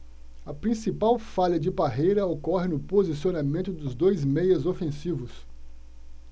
a principal falha de parreira ocorre no posicionamento dos dois meias ofensivos